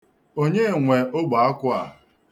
Onye nwe ogbeakwụ a?